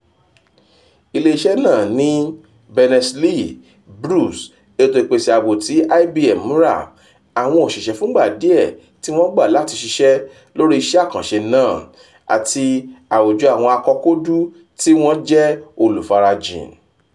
Ilé iṣẹ́ náà ní Berners-Lee, Bruce, ètò ìpèsè ààbò tí IBM rà, àwọn òṣìṣẹ́ fúngbàdíẹ̀ tí wọ́n gbà láti ṣiṣẹ́ lórí iṣẹ́ àkànṣe náà, àti àwùjọ àwọn akọkóòdù tí wọ́n jẹ́ olùfarajìn.